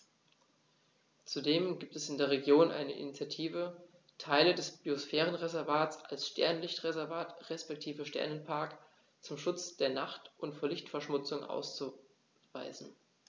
Zudem gibt es in der Region eine Initiative, Teile des Biosphärenreservats als Sternenlicht-Reservat respektive Sternenpark zum Schutz der Nacht und vor Lichtverschmutzung auszuweisen.